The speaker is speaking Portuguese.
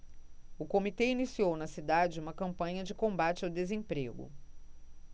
o comitê iniciou na cidade uma campanha de combate ao desemprego